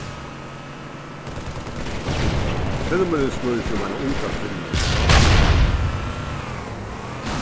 filmurin snýr seg um eina unga kvinnu við sálarsjúku